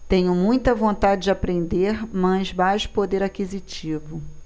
tenho muita vontade de aprender mas baixo poder aquisitivo